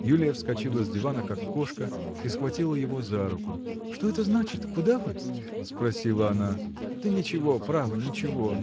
Юлия вскочила с дивана, как кошка, и схватила его за руку. – Что это значит? куда вы? – спросила она. – Да ничего, право, ничего